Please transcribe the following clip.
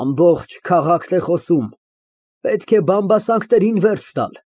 Ամբողջ քաղաքն է խոսում։ Պետք է բամբասանքներին վերջ տալ։